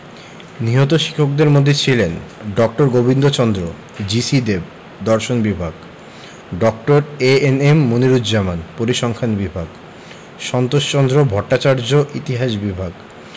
নিহত শিক্ষকদের মধ্যে ছিলেন ড. গোবিন্দচন্দ্র জি.সি দেব দর্শন বিভাগ ড. এ.এন.এম মনিরুজ্জামান পরিসংখান বিভাগ সন্তোষচন্দ্র ভট্টাচার্য ইতিহাস বিভাগ